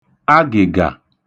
agị̀gà